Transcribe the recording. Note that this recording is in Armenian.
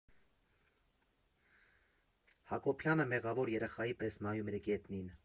Հակոբյանը մեղավոր երեխայի պես նայում էր գետնին։